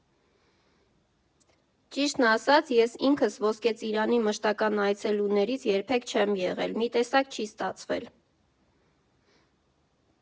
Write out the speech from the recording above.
Ճիշտն ասած, ես ինքս Ոսկե Ծիրանի մշտական այցելուներից երբեք չեմ եղել, մի տեսակ չի ստացվել։